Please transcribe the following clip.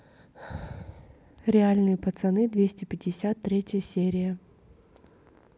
реальные пацаны двести пятьдесят третья серия